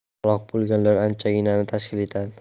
halok bo'lganlar anchaginani tashkil etadi